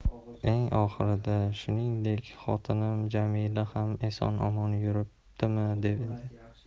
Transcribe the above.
eng oxirida shuningdek xotinim jamila ham eson omon yuribdimi deydi